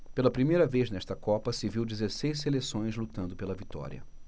pela primeira vez nesta copa se viu dezesseis seleções lutando pela vitória